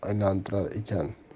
olib aylantirar ekan